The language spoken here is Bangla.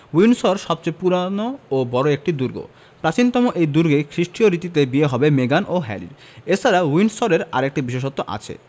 উইন্ডসর সবচেয়ে পুরোনো ও বড় একটি দুর্গ প্রাচীনতম এই দুর্গেই খ্রিষ্টীয় রীতিতে বিয়ে হবে মেগান ও হ্যারির এ ছাড়া উইন্ডসরের আরেকটি বিশেষত্ব আছে